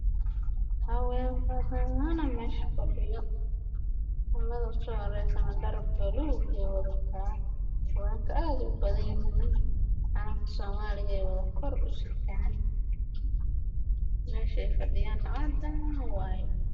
Waa naga fadhiya meel oo wato calan